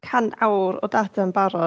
cant awr o data yn barod.